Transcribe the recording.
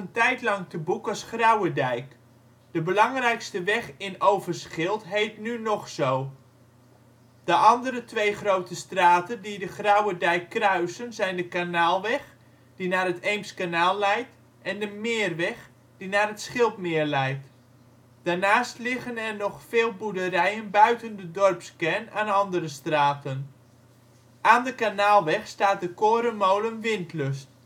tijdlang te boek als Graauwedijk. De belangrijkste weg in Overschild heet nu nog zo. De andere twee grote straten die de Graauwedijk kruisen zijn de Kanaalweg, die naar het Eemskanaal leidt, en de Meerweg, die naar het Schildmeer leidt. Daarnaast liggen er nog veel boerderijen buiten de dorpskern aan andere straten. Aan de Kanaalweg staat de korenmolen Windlust